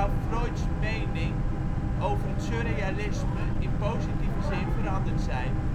Freuds mening over het surrealisme in positieve zin veranderd zijn